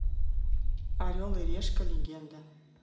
орел и решка легенда